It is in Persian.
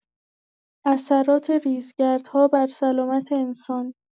اثرات ریزگردها بر سلامت انسان